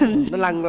nó lâng lâng